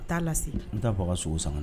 Taa a la segin n t'a f'a ka sogo san ka na.